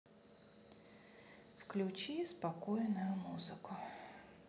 включи спокойную музыку